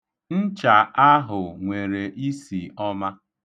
Ncha ahụ nwere isi ọma.